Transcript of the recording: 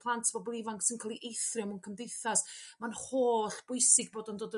plant bobol ifanc sy'n ca'l i eithrio mewn cymdeithas ma'n hollbwysig bod o'n dod yn